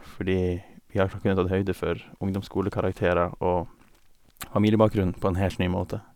Fordi vi iallfall kunnet tatt høyde for ungdomsskolekarakterer og familiebakgrunn på en helt ny måte.